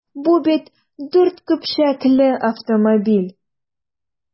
Бу бит дүрт көпчәкле автомобиль!